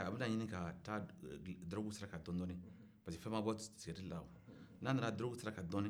a bɛna ɲini ka taa dɔrɔgu sira kan dɔɔnin-dɔɔnin pareseke fɛn ma bɔ sigarɛti la n'a nana dɔrɔgu siran kan dɔɔnin